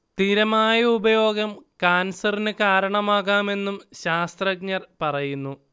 സ്ഥിരമായ ഉപയോഗം കാൻസറിന് കാരണമാകാമെന്നും ശാസ്ത്രജഞർ പറയുന്നു